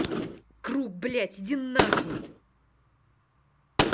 круг блядь иди нахуй